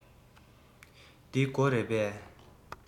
འདི སྒོ རེད པས